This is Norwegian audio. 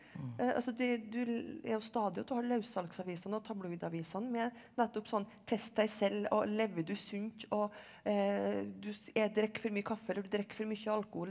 altså det du er jo stadig at du har laussalgsavisene og tabloidavisene med nettopp sånn test deg selv og lever du sunt og du drikker for mye kaffe eller du drikker for mye alkohol.